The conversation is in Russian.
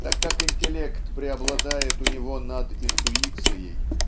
Так как интеллект преобладает у него над интуицией